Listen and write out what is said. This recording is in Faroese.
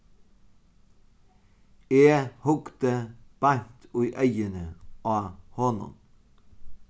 eg hugdi beint í eyguni á honum